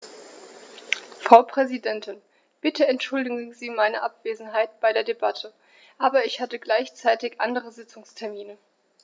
Frau Präsidentin, bitte entschuldigen Sie meine Abwesenheit bei der Debatte, aber ich hatte gleichzeitig andere Sitzungstermine.